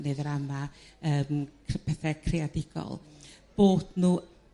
ne' ddrama yrm ch- pethe creadigol bod nhw